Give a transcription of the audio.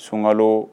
Sunkalo